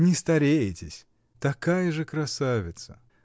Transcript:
— Не стареетесь: такая же красавица!